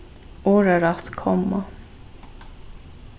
orðarætt komma